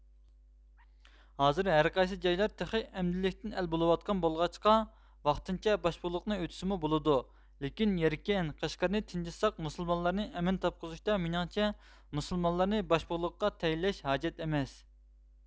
ھازىر ھەرقايسى جايلار تېخى ئەمدىلىكتىن ئەل بولۇۋاتقان بولغاچقا ۋاقتىنچە باشبۇغىلىقنى ئۆتىسىمۇ بولىدۇ لېكىن يەركەن قەشقەرنى تىنجىتساق مۇسۇلمانلارنى ئەمىن تاپقۇزۇشتا مېنىڭچە مۇسۇلمانلارنى باشبۇغلىققا تەيىنلەش ھاجەت ئەمەس